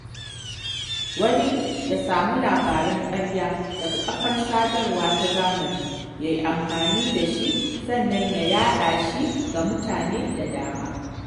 Wani ya samu labarin ƙarya daga kafar sadarwa ta zamani, ya yi amfani da shi sannan ya yaɗa shi ga mutane da dama.